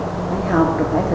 khó